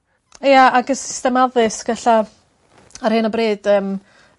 Ia ag y system addysg ella ar hyn o bryd yym